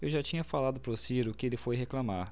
eu já tinha falado pro ciro que ele foi reclamar